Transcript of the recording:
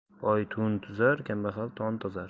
boy to'y tuzar kambag'alning to'ni to'zar